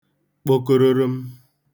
kpokororom